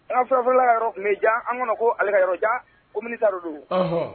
Alaurula yɔrɔ tun bɛ jan an kɔnɔ ko ale ka yɔrɔ ja ko minitaro don